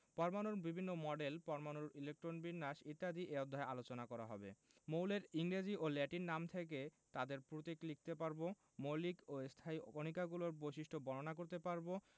পরমাণুর বিভিন্ন মডেল পরমাণুর ইলেকট্রন বিন্যাস ইত্যাদি এ অধ্যায়ে আলোচনা করা হবে মৌলের ইংরেজি ও ল্যাটিন নাম থেকে তাদের প্রতীক লিখতে পারব মৌলিক ও স্থায়ী কণিকাগুলোর বৈশিষ্ট্য বর্ণনা করতে পারব